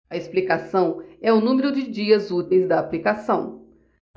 a explicação é o número de dias úteis da aplicação